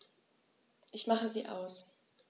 Ich mache sie aus.